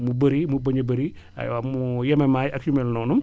mu bari mu bañ a bëri aywa mu yemamaay ak yu mel noonu